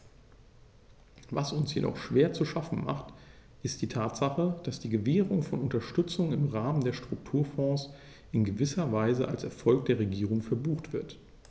Was uns jedoch schwer zu schaffen macht, ist die Tatsache, dass die Gewährung von Unterstützung im Rahmen der Strukturfonds in gewisser Weise als Erfolg der Regierung verbucht wird.